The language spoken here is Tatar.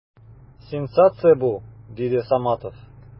Сенсация бу! - диде Саматов.